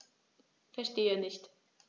Verstehe nicht.